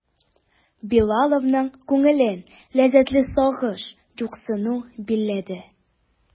Билаловның күңелен ләззәтле сагыш, юксыну биләде.